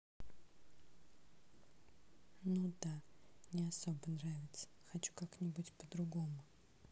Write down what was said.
ну да не особо нравится хочу как нибудь по другому